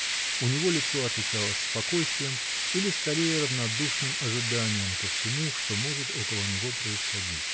У него лицо отличалось спокойствием или, скорее, равнодушным ожиданием ко всему, что может около него происходить.